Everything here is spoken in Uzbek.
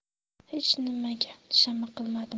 hech nimaga shama qilmadim